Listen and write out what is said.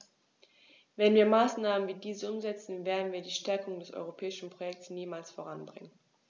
Wenn wir Maßnahmen wie diese umsetzen, werden wir die Stärkung des europäischen Projekts niemals voranbringen.